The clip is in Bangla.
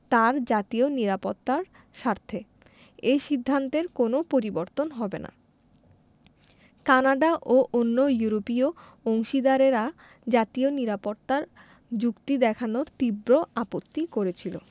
তার জাতীয় নিরাপত্তার স্বার্থে এ সিদ্ধান্তের কোনো পরিবর্তন হবে না কানাডা ও অন্য ইউরোপীয় অংশীদারেরা জাতীয় নিরাপত্তা র যুক্তি দেখানোয় তীব্র আপত্তি করেছিল